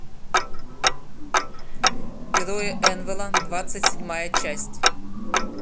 герои энвелла двадцать седьмая часть